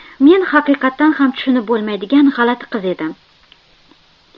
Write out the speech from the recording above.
men haqiqatdan ham tushunib bo'lmaydigan g'alati qiz edim